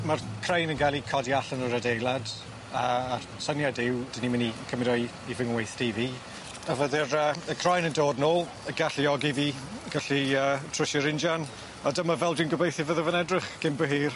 Ma'r crain yn ga'l 'i codi allan o'r adeilad a syniad yw 'dyn ni myn' i cymyd o i i fy ngweithdy fi a fydder yy y crain yn dod nôl y' galluogi fi gallu yy trwsio'r injan a dyma fel dwi'n gobeithio fydde fe'n edrych cyn bo hir.